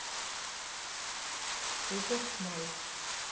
супер майк